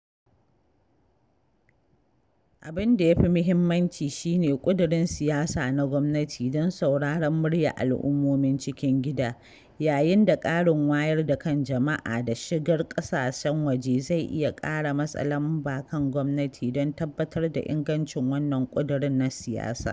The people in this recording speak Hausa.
Abin da ya fi muhimmanci shi ne ƙudurin siyasa na gwamnati don sauraron muryar al'ummomin cikin gida, yayin da ƙarin wayar da kan jama'a da shigar ƙasashen waje zai iya ƙara matsa lamba kan gwamnati don tabbatar da ingancin wannan ƙudurin na siyasa.